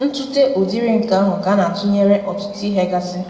Ntụte ụdịrị nke ahụ ka a na-atunyere ọtụtụ ihe gasị.